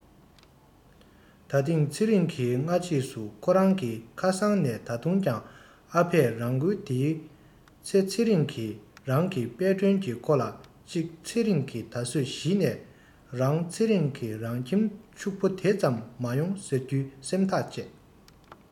ད ཐེངས ཚེ རིང གིས སྔ རྗེས སུ ཁོ རང གི ཁ སང ནས ད དུང ཀྱང ཨ ཕས རང འགུལ དེའི ཚེ ཚེ རིང གི རང གི དཔལ སྒྲོན གྱིས ཁོ ལ གཅིག ཚེ རིང ནི ད གཟོད གཞི ནས རང ཚེ རིང གི རང ཁྱིམ ཕྱུག པོ དེ ཙམ མ ཡོང ཟེར རྒྱུའི སེམས ཐག བཅད